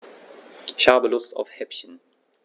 Ich habe Lust auf Häppchen.